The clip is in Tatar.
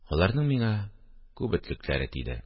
– аларның миңа күп этлекләре тиде